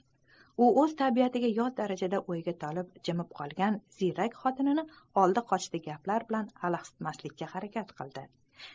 u o'z tabiatiga xos bo'lmagan tarzda o'yga tolib jimib qolgan ziyrak xotinini oldi qochdi gaplar bilan alahsitmaslikka harakat qildi